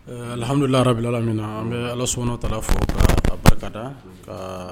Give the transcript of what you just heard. Lhadulilaharabi min an bɛ ala sɔnna taara fɔ barikada